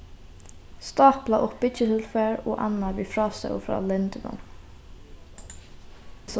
stápla upp byggitilfar og annað við frástøðu frá lendinum